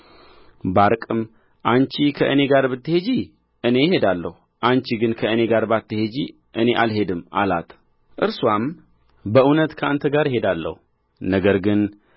ባርቅም አንቺ ከእኔ ጋር ብትሄጂ እኔ እሄዳለሁ አንቺ ግን ከእኔ ጋር ባትሄጂ እኔ አልሄድም አላት እርሷም በእውነት ከአንተ ጋር እሄዳለሁ ነገር ግን